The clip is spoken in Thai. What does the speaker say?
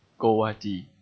โกวาจี